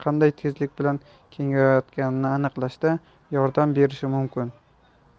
qanday tezlik bilan kengayotganini aniqlashda yordam berishi mumkin